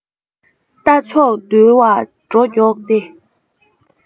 རྟ མཆོག དུལ བ འགྲོ མགྱོགས ཏེ